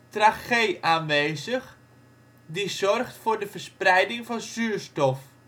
trachee aanwezig die zorgt voor de verspreiding van zuurstof